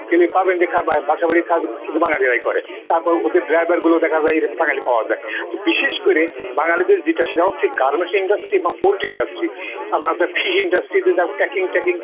গেলে পাবেন বাসাবাড়ির কাজ শুধু বাঙালিরাই করা ওদের ড্রাইভার গুলো দেখা যায় বাঙালি পাওয়া যায় বিশেষ করে বাঙ্গালীদের যেটা সেটা হচ্ছে গার্মেন্টস ইন্ডাস্ট্রি এবং পোল্ট্রি ইন্ডাস্ট্রি আপনার ফিশ ইন্ডাস্ট্রিতে প্যাকিং ট্যাকিং